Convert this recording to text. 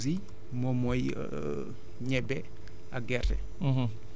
légumineuses yi moom mooy ñebe ak gerte